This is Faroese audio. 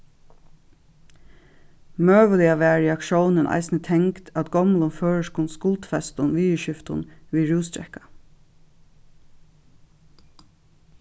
møguliga var reaktiónin eisini tengd at gomlum føroyskum skuldfestum viðurskiftum við rúsdrekka